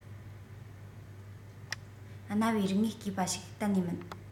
གནའ བོའི རིག དངོས རྐུས བ ཞིག གཏན ནས མིན